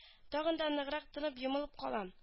Тагын да ныграк тынып-йомылып калам